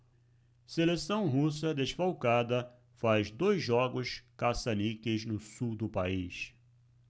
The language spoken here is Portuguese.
seleção russa desfalcada faz dois jogos caça-níqueis no sul do país